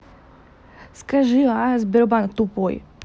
скажи а сбербанк тупой